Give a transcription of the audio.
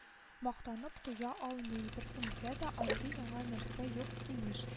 Мактанып туя алмый, беркемгәдә дә андый яңа нәрсә юк имеш